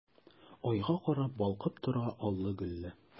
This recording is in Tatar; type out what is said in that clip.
Айга карап балкып тора аллы-гөлле!